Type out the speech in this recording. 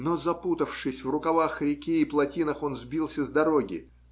Но, запутавшись в рукавах реки и плотинах, он сбился с дороги